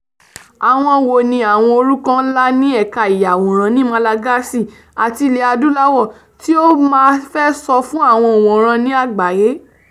Àwọn wo ni àwọn orúkọ ńlá ní ẹ̀ka ìyàwòrán ní Malagasy àti ilẹ̀ Adúláwọ̀ tí o máa fẹ́ sọ fún àwọn òǹwòran ní àgbáyé?